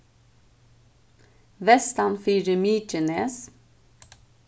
vestan fyri mykines